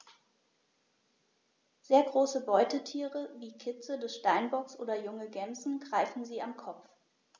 Sehr große Beutetiere wie Kitze des Steinbocks oder junge Gämsen greifen sie am Kopf.